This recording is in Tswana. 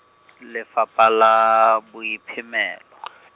Lefapha la, Boiphemelo .